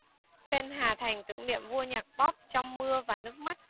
fan hà thành tưởng niệm vua nhạc pop trong mưa và nước mắt